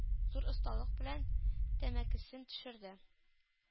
Зур осталык белән тәмәкесен төшерде.